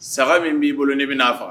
Saga min b'i bolo n'i bɛ n'a faga